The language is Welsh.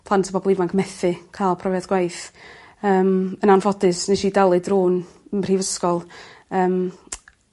plant a bobol ifanc methu ca'l profiad gwaith yym yn anffodus ness i dalu drw'n 'm mhrifysgol. Yym.